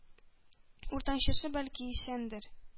Уртанчысы, бәлки, исәндер,